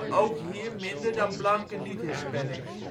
ook hier minder dan blanke niet-Hispanics